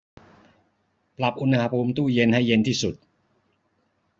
ปรับอุณหภูมิตู้เย็นให้เย็นที่สุด